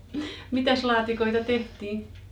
mitäs laatikoita tehtiin